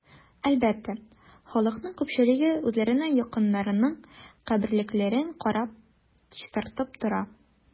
Әлбәттә, халыкның күпчелеге үзләренең якыннарының каберлекләрен карап, чистартып тора.